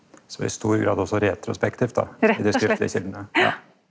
så i stor grad også retrospektivt då i dei skriftlege kjeldene ja.